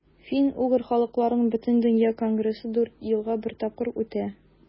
Фин-угыр халыкларының Бөтендөнья конгрессы дүрт елга бер тапкыр үтә.